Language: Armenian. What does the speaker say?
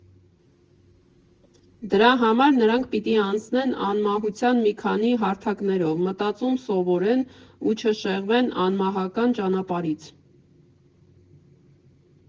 Դրա համար նրանք պիտի անցնեն անմահության մի քանի հարթակներով, մտածում սովորեն ու չշեղվեն անմահական ճանապարհից։